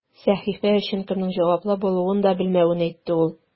Сәхифә өчен кемнең җаваплы булуын да белмәвен әйтте ул.